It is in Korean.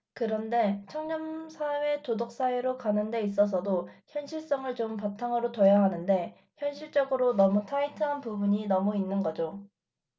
그런데 청렴사회 도덕사회로 가는 데 있어서도 현실성을 좀 바탕으로 둬야 하는데 현실적으로 너무 타이트한 부분이 너무 있는 거죠